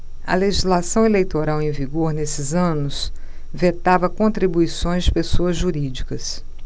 a legislação eleitoral em vigor nesses anos vetava contribuições de pessoas jurídicas